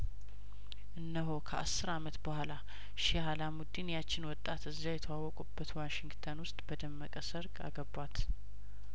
እነሆ ከአስር አመት በኋላ ሼህ አላሙዲን ያቺን ወጣት እዚያው የተዋወቁ በት ዋሽንግተን ውስጥ በደመቀ ሰርግ አገቧት